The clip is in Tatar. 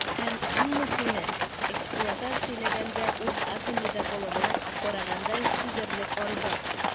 Һәм, иң мөһиме, эксплуатацияләгәндә ул атом ледоколына караганда сизелерлек арзан.